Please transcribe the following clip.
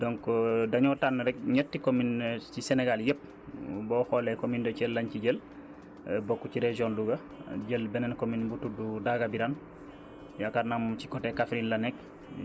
donc dañoo tànn rekk ñetti communes ci Sénégal yépp boo xoolee commune de Thiel lañ ci jël bokk ci région Louga jël beneen commune bu tudd Dagabirane yaakaar moom si côté Kaffrine la nekk